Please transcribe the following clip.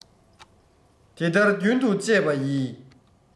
དེ ལྟར རྒྱུན དུ སྤྱད པ ཡིས